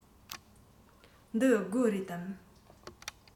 འདི སྒོ རེད དམ